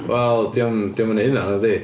Wel 'di o'm yn wneud hynna nadi.